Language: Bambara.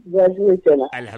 Ba tɛ ala